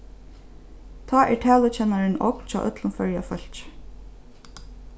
tá er talukennarin ogn hjá øllum føroya fólki